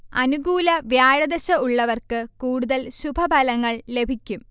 അനുകൂല വ്യാഴദശ ഉള്ളവർക്ക് കൂടുതൽ ശുഭഫലങ്ങൾ ലഭിക്കും